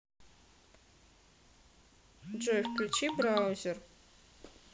джой включи браузер